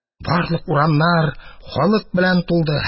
Барлык урамнар халык белән тулды.